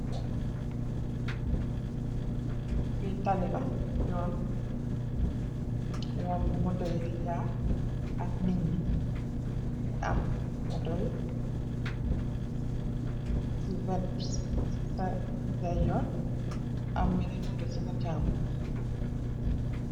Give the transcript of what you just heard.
Fi talila yoon b motoy di jaar ak niñgi am motoy ci webide yor am menay motor ci sa caamuy